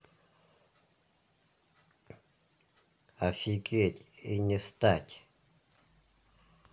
офигеть и не встать